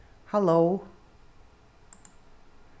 halló